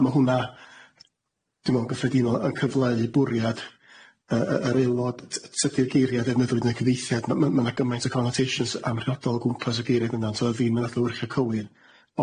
A ma' hwnna dwi'n me'wl yn gyffredinol yn cyfleu bwriad yy yy yr Aelod t- t- tydi'r geiriad a ddefnyddiwyd yn y cyfieithiad ma' ma' ma' ma' 'na gymaint o connotations amhriodol o gwmpas y geiriad yna ond t'odd o ddim yn adlewyrchiad cywir,